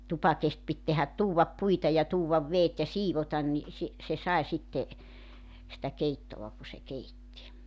tupakesti piti tehdä tuoda puita ja tuoda vedet ja siivota niin - se sai sitten sitä keittoa kun se keitti